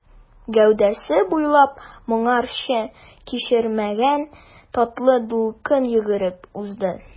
Гәүдәсе буйлап моңарчы кичермәгән татлы дулкын йөгереп узды.